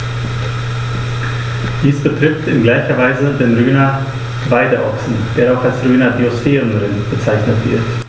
Dies betrifft in gleicher Weise den Rhöner Weideochsen, der auch als Rhöner Biosphärenrind bezeichnet wird.